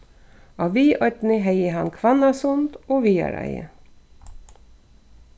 á viðoynni hevði hann hvannasund og viðareiði